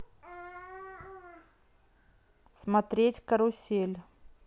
смотреть карусель